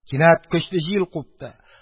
Кинәт көчле җил купты.